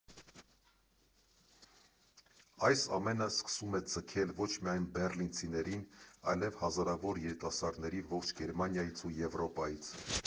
Այս ամենը սկսում է ձգել ոչ միայն բեռլինցիներին, այլև հազարավոր երիտասարդների ողջ Գերմանիայից ու Եվրոպայից։